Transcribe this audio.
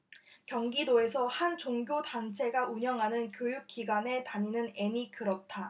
경기도에서 한 종교단체가 운영하는 교육기관에 다니는 앤이 그렇다